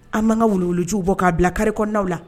An manan ka wulujuw bɔ k'a bila kariknaw la